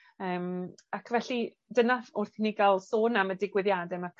Yym ac felly dyna wrth i ni ga'l sôn am y digwyddiade 'ma.